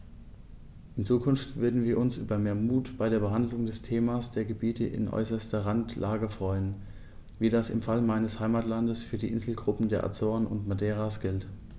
In Zukunft würden wir uns über mehr Mut bei der Behandlung des Themas der Gebiete in äußerster Randlage freuen, wie das im Fall meines Heimatlandes für die Inselgruppen der Azoren und Madeiras gilt.